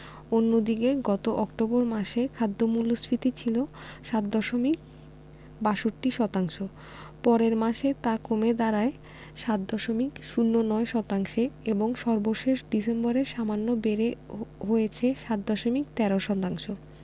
অন্যদিকে গত অক্টোবর মাসে খাদ্য মূল্যস্ফীতি ছিল ৭ দশমিক ৬২ শতাংশ পরের মাসে তা কমে দাঁড়ায় ৭ দশমিক ০৯ শতাংশে এবং সর্বশেষ ডিসেম্বরে সামান্য বেড়ে হয়েছে ৭ দশমিক ১৩ শতাংশ